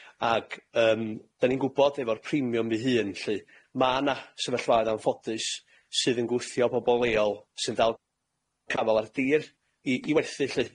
ag yym 'dan ni'n gwbod efo'r premiwm 'i hun lly, ma' 'na sefyllfaoedd anffodus sydd yn gwthio pobol leol sy'n dal gafal ar dir i i werthu lly.